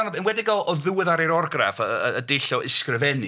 Yn enwedig o ddiweddaru'r orgraff, y y y dull o ysgrifennu.